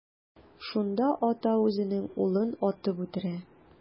Шунда ата үзенең улын атып үтерә.